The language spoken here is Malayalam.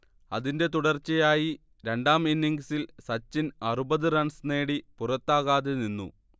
അതിന്റെ തുടർച്ചയായി രണ്ടാം ഇന്നിംങ്സിൽ സച്ചിൻ അറുപത് റൺസ് നേടി പുറത്താകാതെനിന്നു